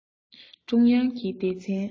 ཀྲུང དབྱང གི སྡེ ཚན